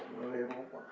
moo lay wan quoi